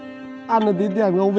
ăn được tí tiền tưởng